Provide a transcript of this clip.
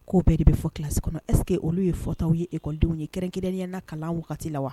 Ko bɛɛ de bɛ fɔ kisi kɔnɔ ɛs que olu ye fɔta ye ekɔdenw ye kɛrɛn kelenrɛnya na kalan wagati la wa